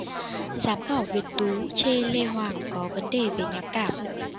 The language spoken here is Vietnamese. giám khảo việt tú chê lê hoàng có vấn đề về nhạc cảm